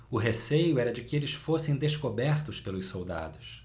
o receio era de que eles fossem descobertos pelos soldados